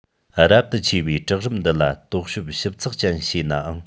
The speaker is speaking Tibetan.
རབ ཏུ ཆེ བའི བྲག རིམ འདི ལ རྟོགས དཔྱོད ཞིབ ཚགས ཅན བྱས ནའང